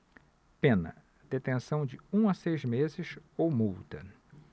pena detenção de um a seis meses ou multa